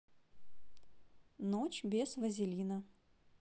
ночь без вазелина